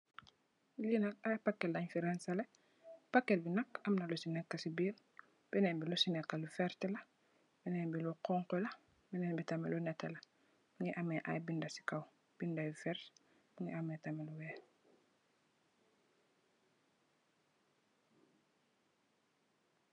Linak ayy paket lenj fi ranseleh paket bi nak amna lusi nekk ci biir benen bi lusi neek lu veert la benen bi lu xonxu la benen bi tamit lu nete la mungi ameh ay binda ci kaw binda yu ferr mungi ameh nak